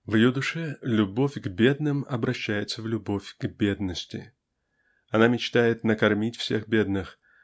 В ее душе любовь к бедным обращается в любовь к бедности. Она мечтает накормить всех бедных